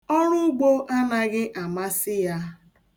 Ọruugbo anaghị amasị ya.